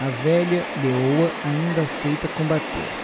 a velha leoa ainda aceita combater